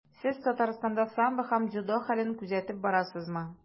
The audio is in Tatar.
Сез Татарстанда самбо һәм дзюдо хәлен күзәтеп барасызмы?